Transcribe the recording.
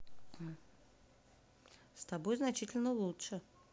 с тобой значительно лучше